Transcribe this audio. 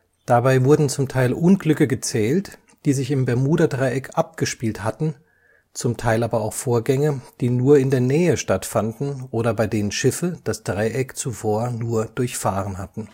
Dabei wurden zum Teil Unglücke gezählt, die sich im Bermudadreieck abgespielt hatten, zum Teil aber auch Vorgänge, die nur in der Nähe stattfanden oder bei denen Schiffe das Dreieck nur zuvor durchfahren hatten